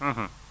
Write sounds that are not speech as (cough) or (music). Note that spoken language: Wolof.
(hesitation) (hesitation)